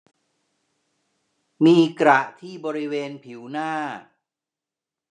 มีกระที่บริเวณผิวหน้า